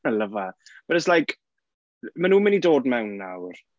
I love her. But it's like maen nhw'n mynd i dod mewn nawr...